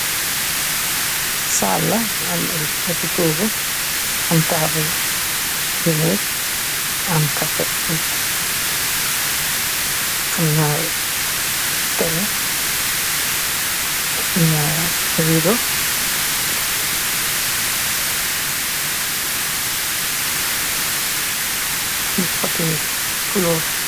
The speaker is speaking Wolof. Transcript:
Saal la bu am ngehtti toguu, am tabuul, ayye nekk, am karpet, amna tehleh, ridooh ak potti fuloor.